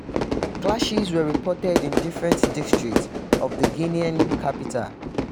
Clashes were reported in different districts of the Guinean capital.